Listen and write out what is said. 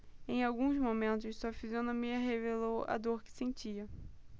em alguns momentos sua fisionomia revelou a dor que sentia